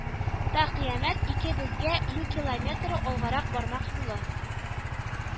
Та кыямәт ике безгә юкилометры алгарак бармак юлы